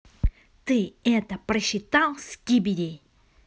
ты это прочитал скибиди